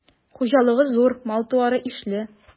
Хуҗалыгы зур, мал-туары ишле.